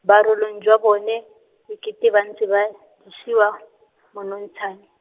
borarong jwa bone, e kete ba ntse ba , jesiwa monontshane.